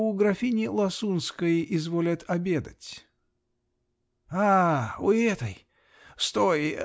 У графини Ласунской изволят обедать. -- А! у этой!. Стой!